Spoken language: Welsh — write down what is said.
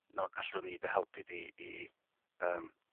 nawn allwn ni dy helpu di i yym